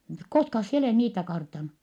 koskas sinä olet niitä kartannut